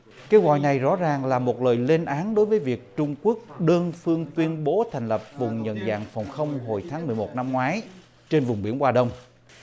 kêu gọi này rõ ràng là một lời lên án đối với việc trung quốc đơn phương tuyên bố thành lập vùng nhận dạng phòng không hồi tháng mười một năm ngoái trên vùng biển hoa đông